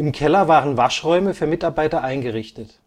Keller waren Waschräume für Mitarbeiter eingerichtet